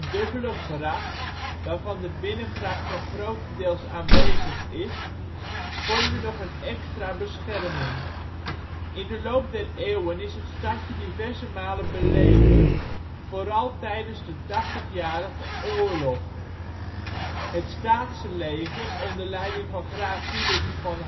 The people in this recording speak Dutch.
dubbele gracht, waarvan de binnengracht nog grotendeels aanwezig is, vormde nog een extra bescherming. In de loop der eeuwen is het stadje diverse malen belegerd, vooral tijdens de Tachtigjarige Oorlog (1568-1648). Het Staatse leger onder leiding van graaf Filips van